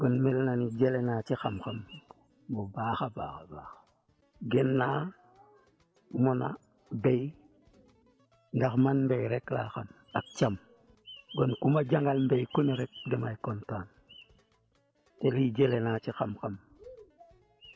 kon mel na ne jëlee naa ci xam-xam bu baax a baax a baax gën naa mën a béy ndax man mbéy rek laa xam ak càmm bon ku ma jàngal mbéy ku ne rek damay kontaan te lii jëlee naa ci xam-xam